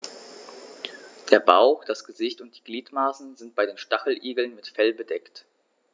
Der Bauch, das Gesicht und die Gliedmaßen sind bei den Stacheligeln mit Fell bedeckt.